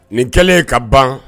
Nin kɛlen ka ban